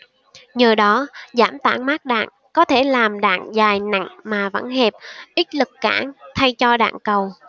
nhờ đó giảm tản mát đạn có thể làm đạn dài nặng mà vẫn hẹp ít lực cản thay cho đạn cầu